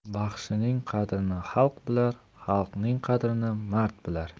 baxshining qadrini xalq bilar xalqning qadrini mard bilar